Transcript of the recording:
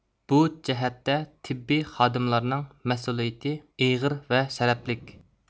بۇ جەھەتتە تېببىي خادىملارنىڭ مەسئۇلىيىتى ئېغىر ۋە شەرەپلىك